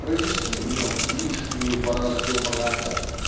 провести в нем лишнюю борозду мрака.